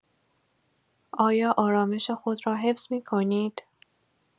آیا آرامش خود را حفظ می‌کنید؟